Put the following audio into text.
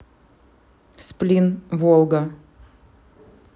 сплин волга